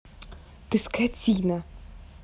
ты скотина